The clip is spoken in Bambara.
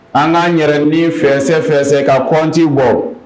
An kan yɛrɛ ni fɛnsɛ fɛnsɛ ka compte bɔ.